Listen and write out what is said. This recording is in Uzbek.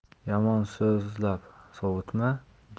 yomon so'zlab sovutma